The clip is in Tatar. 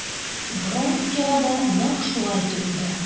Вронскийга да нәкъ шулай тоелды.